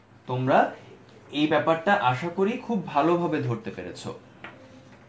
তোমরা এই ব্যাপারটা আশা করি খুব ভালোভাবে ধরতে পেরেছ